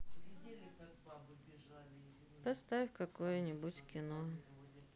поставь какое нибудь кино